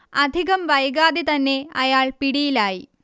അധികം വൈകാതെ തന്നെ അയാൾ പിടിയിലായി